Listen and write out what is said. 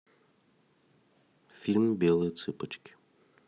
фильм белые цыпочки